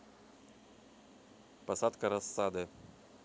посадка рассады